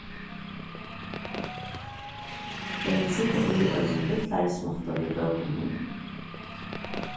eg vil sita í eini lítlari smáttu við bókum mínum